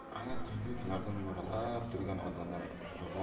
ana tuynuklardan mo'ralab turgan odamlar